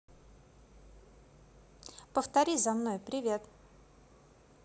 повтори за мной привет